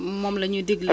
moom la ñuy dejle